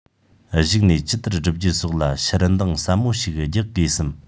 གཞུག ནས ཇི ལྟར བསྒྲུབ རྒྱུ སོགས ལ ཕྱིར འདང ཟབ མོ ཞིག རྒྱག དགོས བསམ